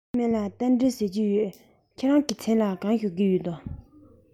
ངའི མིང ལ རྟ མགྲིན ཟེར གྱི ཡོད ཁྱེད རང གི མཚན ལ གང ཞུ གི ཡོད ན